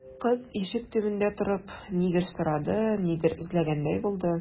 Кыз, ишек төбендә торып, нидер сорады, нидер эзләгәндәй булды.